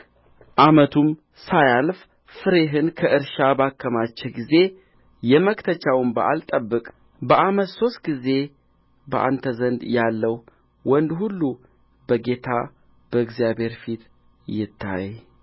ዓመቱም ሳያልቅ ፍሬህን ከእርሻ ባከማቸህ ጊዜ የመክተቻውን በዓል ጠብቅ በዓመት ሦስት ጊዜ በአንተ ዘንድ ያለው ወንድ ሁሉ በጌታ በእግዚአብሔር ፊት ይታይ